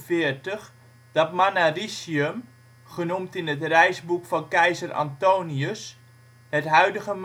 1846 dat Mannaricium, genoemd in het reisboek van Keizer Antonius, het huidige